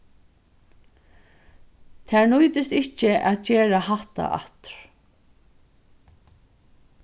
tær nýtist ikki at gera hatta aftur